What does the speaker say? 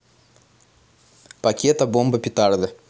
пакето бомба петарда